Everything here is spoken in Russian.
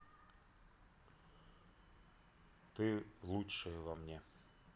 ты лучшее во мне